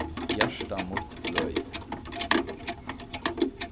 hjarta mítt bløðir